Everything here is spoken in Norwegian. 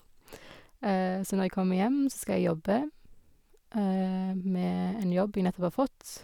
Så når jeg kommer hjem, så skal jeg jobbe med en jobb jeg nettopp har fått.